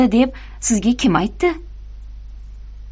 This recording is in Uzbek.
deb sizga kim aytdi